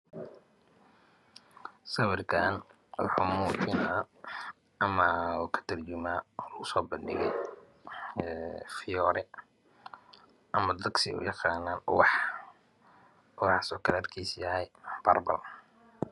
Sawirkaan wuxumujina amukuturjima lagasobandhigay fiyoore amadaka ay uyaqaanan ubax